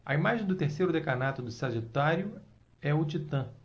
a imagem do terceiro decanato de sagitário é o titã